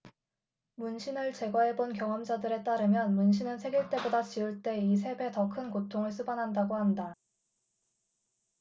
문신을 제거해 본 경험자들에 따르면 문신은 새길 때보다 지울 때 이 세 배 더 큰 고통을 수반한다고 한다